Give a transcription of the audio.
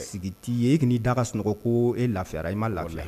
Sigi t'i ye e k'i da sunɔgɔ ko e lafiyara i m ma lafi